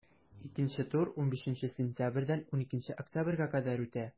Икенче тур 15 сентябрьдән 12 октябрьгә кадәр үтә.